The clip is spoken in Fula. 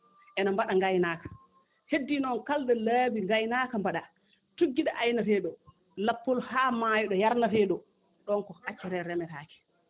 ene mbaɗa ngaynaaka heddii noon kala ɗo laabi ngaynaaka mbaɗaa tuggu ɗo aynetee ɗoo lappol haa maayo ɗo yarnetee ɗoo ɗoon ko accete remataake